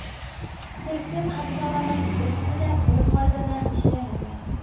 Төркем әгъзалары берсе дә беркайда да эшләмәгән